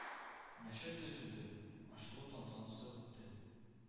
Мәчет төзелде, ачылу тантанасы үтте